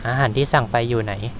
อาหารที่สั่งไปอยู่ไหน